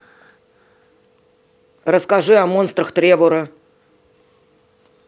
расскажи о монстрах тревора